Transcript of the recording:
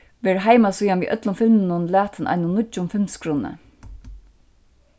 verður heimasíðan við øllum filmunum latin einum nýggjum filmsgrunni